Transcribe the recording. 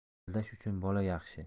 aldash uchun bola yaxshi